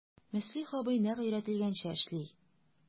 Мөслих абый нәкъ өйрәтелгәнчә эшли...